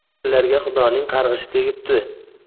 bu yerlarga xudoning qarg'ishi tegibdi bo'lak